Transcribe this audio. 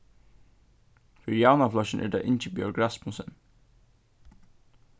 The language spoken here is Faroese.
fyri javnaðarflokkin er tað ingibjørg rasmussen